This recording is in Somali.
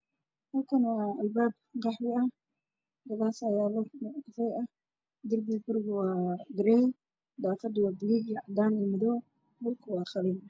Gaashaan maxaa ka muuqda qol bannaan oo darbigiisii yahay cadaan albaabkiisu waa qax iyo guduud ah qolku wey eber